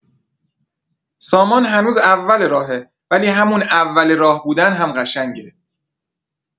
سامان هنوز اول راهه، ولی همون اول راه بودن هم قشنگه.